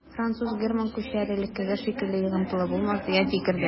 Француз-герман күчәре элеккеге шикелле йогынтылы булмас дигән фикер дә бар.